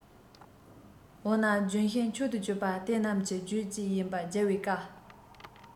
འོ ན ལྗོན ཤིང མཆོག ཏུ འགྱུར པ དེ རྣམས ཀྱི རྒྱུད བཅས ཡིན པ རྒྱལ བའི བཀའ